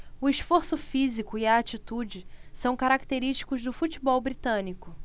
o esforço físico e a atitude são característicos do futebol britânico